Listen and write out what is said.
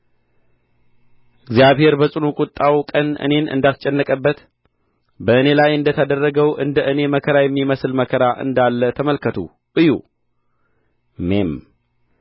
እግዚአብሔር በጽኑ ቍጣው ቀን እኔን እንዳስጨነቀበት በእኔ ላይ እንደ ተደረገው እንደ እኔ መከራ የሚመስል መከራ እንዳለ ተመልከቱ እዩ ሜም